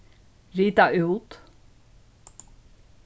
rita út